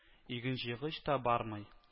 "игенҗыйгыч" та бармый